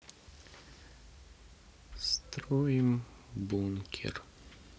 строим бункер